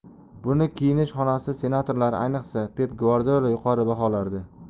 buni kiyinish xonasi senatorlari ayniqsa pep gvardiola yuqori baholardi